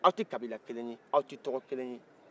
aw tɛ kabila kelen ye aw tɛ tɔgɔ kelen ye